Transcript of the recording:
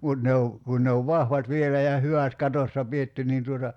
mutta ne on kun ne on vahvat vielä ja hyvät katossa pidetty niin tuota